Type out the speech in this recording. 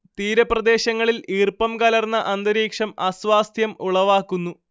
തീരപ്രദേശങ്ങളിൽ ഈർപ്പം കലർന്ന അന്തരീക്ഷം അസ്വാസ്ഥ്യം ഉളവാക്കുന്നു